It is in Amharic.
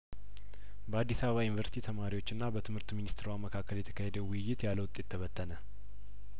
በአዲስ አበባ ዩኒቨርስቲ ተማሪዎችና በትምህርት ሚኒስትሯ መካከል የተካሄደው ውይይት ያለውጤት ተበተነ